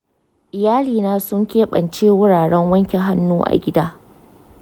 iyalina sun keɓance wuraren wanke hannu a gida.